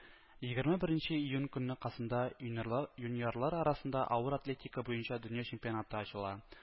Егерме беренче июнь көнне Казанда юниорла юниорлар арасында авыр атлетика буенча дөнья чемпионаты ачыла